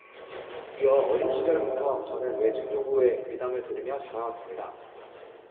이어 어린 시절부터 저는 외증조부의 미담을 들으며 자라왔습니다